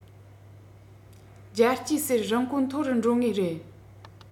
རྒྱལ སྤྱིའི གསེར རིན གོང མཐོ རུ འགྲོ ངེས རེད